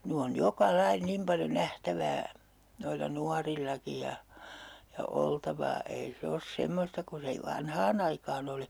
nyt on joka lajia niin paljon nähtävää noilla nuorillakin ja ja oltavaa ei se ole semmoista kuin se - vanhaan aikaan oli